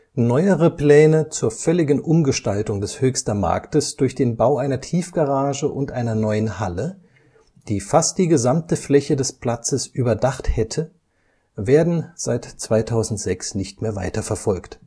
Neuere Pläne zur völligen Umgestaltung des Höchster Marktes durch den Bau einer Tiefgarage und einer neuen Halle, die fast die gesamte Fläche des Platzes überdacht hätte, werden seit 2006 nicht mehr weiterverfolgt